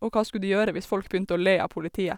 Og hva skulle de gjøre hvis folk begynte å le av politiet?